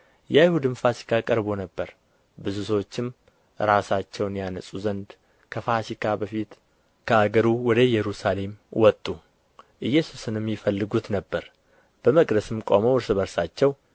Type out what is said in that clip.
የአይሁድም ፋሲካ ቀርቦ ነበር ብዙ ሰዎችም ራሳቸውን ያነጹ ዘንድ ከፋሲካ በፊት ከአገሩ ወደ ኢየሩሳሌም ወጡ ኢየሱስንም ይፈልጉት ነበር በመቅደስም ቆመው እርስ በርሳቸው